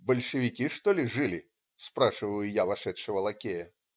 Большевики, что ли, жили?"-спрашиваю я вошедшего лакея.